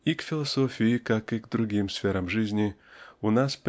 И к философии, как и к другим сферам жизни, у нас.